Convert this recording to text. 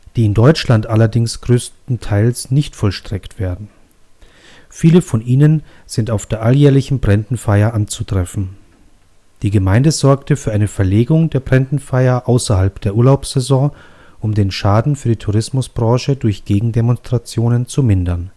die in Deutschland allerdings großteils nicht vollstreckt werden. Viele von ihnen sind auf der alljährlichen Brendtenfeier anzutreffen. Die Gemeinde sorgte für eine Verlegung der Brendtenfeier außerhalb der Urlaubssaison, um den Schaden für die Tourismusbranche durch Gegendemonstrationen zu mindern